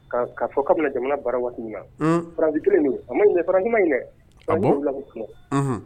Ka'a fɔ ka jamana bara waati min na fararanji kelen don a ma fararan ɲuman ɲini a'wula filɛ